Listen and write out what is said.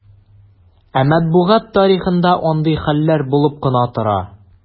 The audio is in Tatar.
Ә матбугат тарихында андый хәлләр булып кына тора.